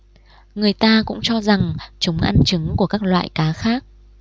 người ta cũng cho rằng chúng ăn trứng của các loại cá khác